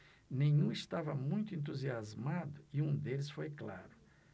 nenhum estava muito entusiasmado e um deles foi claro